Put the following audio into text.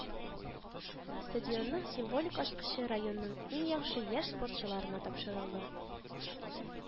Стадионның символик ачкычы районның иң яхшы яшь спортчыларына тапшырылды